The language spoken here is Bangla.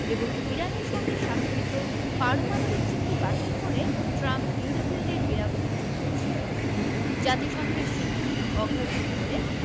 এবং ইরানের সঙ্গে স্বাক্ষরিত পারমাণবিক চুক্তি বাতিল করে ট্রাম্প ইউরোপীয়দের বিরাগভাজন হয়েছিলেন জাতিসংঘের সিদ্ধান্ত অগ্রাহ্য করে